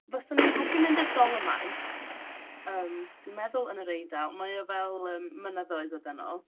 Faswn i'n hoffi mynd i'r Dolomites. Yym. Dwi'n meddwl yn Yr Eidal. Mae o fel, yym, mynyddoedd ydyn nhw.